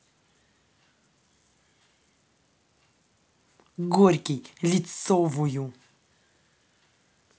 горький лицовую